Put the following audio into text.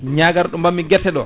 ñagar ɗo badmi guerte ɗo